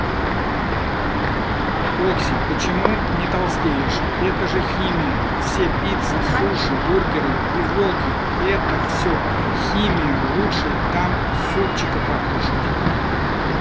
окси почему не толстеешь это же химия все пицца суши бургеры и волки это все химия лучше там супчика покушать